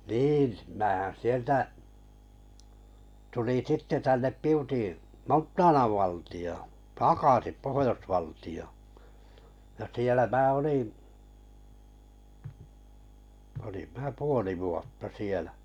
niin minähän sieltä tulin sitten tänne Piuti Montanan valtioon takaisin - ja siellä minä olin minä puoli vuotta siellä